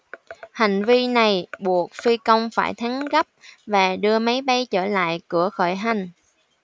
hành vi này buộc phi công phải thắng gấp và đưa máy bay trở lại cửa khởi hành